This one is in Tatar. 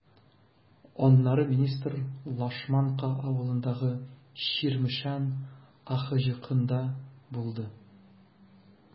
Аннары министр Лашманка авылындагы “Чирмешән” АХҖКында булды.